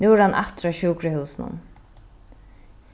nú er hann aftur á sjúkrahúsinum